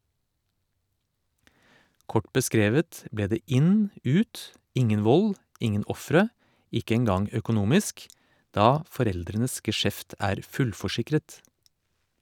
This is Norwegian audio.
Kort beskrevet ble det inn, ut, ingen vold, ingen ofre, ikke engang økonomisk, da foreldrenes geskjeft er fullforsikret.